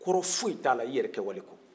kɔrɔ foyi tɛ a la i yɛrɛ kɛ wale kɔ